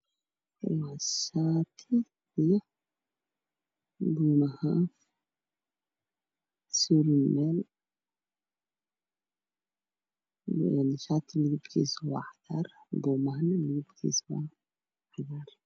Waa shaati iyo buumo kala koodu yahay cagaar waxa ay suranyihiin darbi midabkiisu yahay cadays